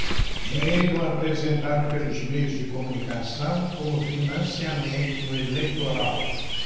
dinheiro apresentado pelos meios de comunicação como financiamento eleitoral